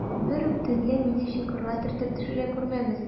Берүк төнлә мине чокырга төртеп төшерә күрмәгез.